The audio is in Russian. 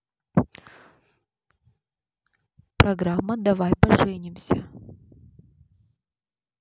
программа давай поженимся